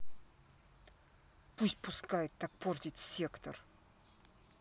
пусть пускает так портить сектор